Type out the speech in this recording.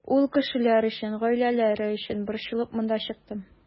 Ул кешеләр өчен, гаиләләре өчен борчылып монда чыктым.